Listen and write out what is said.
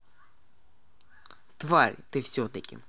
тварь ты все таки